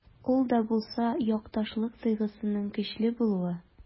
Ул да булса— якташлык тойгысының көчле булуы.